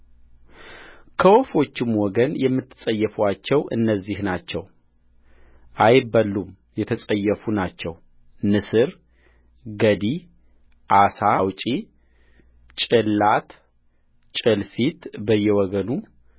ከወፎችም ወገን የምትጸየፉአቸው እነዚህ ናቸው አይበሉም የተጸየፉ ናቸውንስር ገዲ ዓሣ አውጭ ጭላት ጭልፊት በየወገኑ